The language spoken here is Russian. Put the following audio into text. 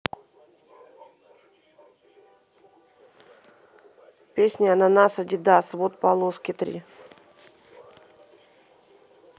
песня ананас адидас вот полоски три